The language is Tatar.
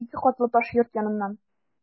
Ике катлы таш йорт яныннан...